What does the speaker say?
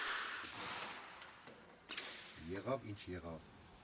Եղավ՝ ինչ եղավ.